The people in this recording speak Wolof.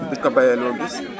bi nga ko bayee loo gis